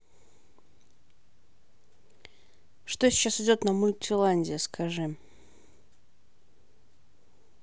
что сейчас идет на мультиландия скажи